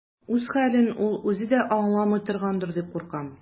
Үз хәлен ул үзе дә аңламый торгандыр дип куркам.